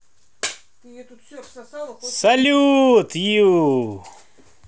салют ю